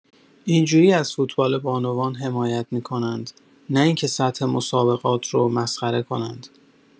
این‌جوری از فوتبال بانوان حمایت می‌کنند نه این که سطح مسابقات رو مسخره کنند